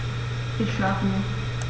Ich schlafe noch.